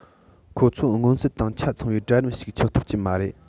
ཁོ ཚོ མངོན གསལ དང ཆ ཚང བའི གྲལ རིམ ཞིག ཆགས ཐུབ ཀྱི མ རེད